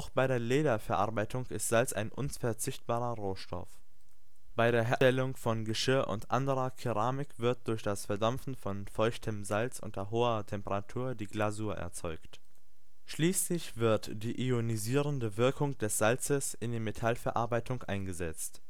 bei der Lederverarbeitung ist Salz ein unverzichtbarer Rohstoff. Bei der Herstellung von Geschirr und anderer Keramik wird durch das Verdampfen von feuchtem Salz unter hoher Temperatur die Glasur erzeugt. Schließlich wird die ionisierende Wirkung des Salzes in der Metallverarbeitung eingesetzt